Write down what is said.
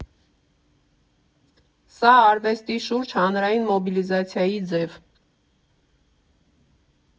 Սա արվեստի շուրջ հանրային մոբիլիզացիայի ձև։